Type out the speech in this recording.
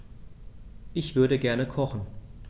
Ich würde gerne kochen.